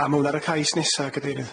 Na ma' wnna ar y cais nesa cadeirydd.